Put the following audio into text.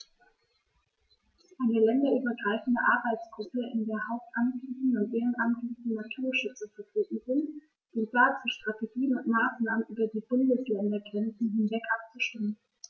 Eine länderübergreifende Arbeitsgruppe, in der hauptamtliche und ehrenamtliche Naturschützer vertreten sind, dient dazu, Strategien und Maßnahmen über die Bundesländergrenzen hinweg abzustimmen.